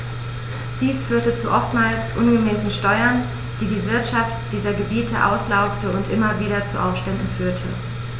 Dies führte zu oftmals unmäßigen Steuern, die die Wirtschaft dieser Gebiete auslaugte und immer wieder zu Aufständen führte.